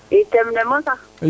i Theme ne mosa